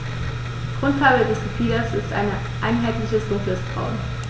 Grundfarbe des Gefieders ist ein einheitliches dunkles Braun.